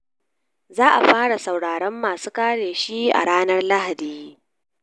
Za a fara sauraron masu kare shi a ranar Lahadi.